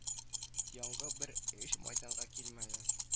Яңгы бер эш мәйданга килмәде